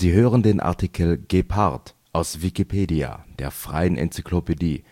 hören den Artikel Gepard, aus Wikipedia, der freien Enzyklopädie